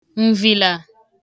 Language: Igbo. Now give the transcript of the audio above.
ǹvìlà